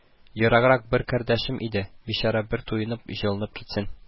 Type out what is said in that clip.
– ераграк бер кардәшем иде, бичара бер туенып, җылынып китсен